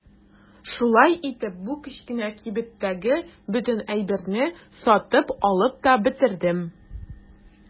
Шулай итеп бу кечкенә кибеттәге бөтен әйберне сатып алып та бетердем.